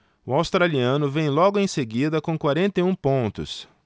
o australiano vem logo em seguida com quarenta e um pontos